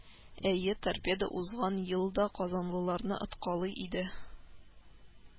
Әйе, Торпедо узган ел да казанлыларны откалый иде